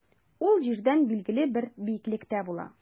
Ул җирдән билгеле бер биеклектә була.